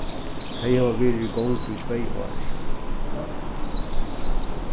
tey hava verið í gongd í tvey ár